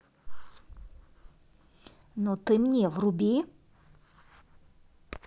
ну ты мне вруби